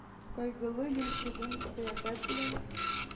Кайгылы, йончыган кыяфәт белән,